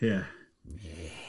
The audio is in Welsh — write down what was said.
Ie.